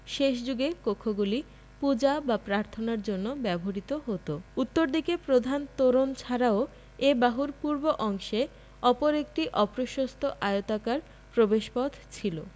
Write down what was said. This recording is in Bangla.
শেষ যুগে কক্ষগুলি পূজা বা প্রার্থনার জন্য ব্যবহূত হতো উত্তরদিকে প্রধান তোরণ ছাড়াও এ বাহুর পূর্ব অংশে অপর একটি অপ্রশস্ত আয়তাকার প্রবেশপথ ছিল